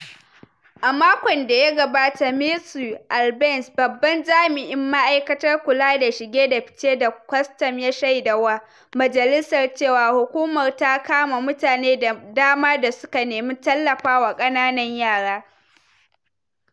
A makon da ya gabata, Matthew Albence, babban jami'in ma'aikatar kula da Shige da fice da kwastam, ya shaida wa majalisar cewa, hukumar ta kama mutane da dama da suka nemi tallafa wa kananan yara.